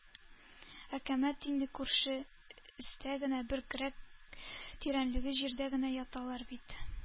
Әкәмәт инде, күрше, өстә генә, бер көрәк тирәнлеге җирдә генә яталар бит.